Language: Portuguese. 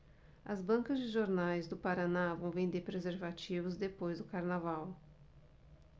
as bancas de jornais do paraná vão vender preservativos depois do carnaval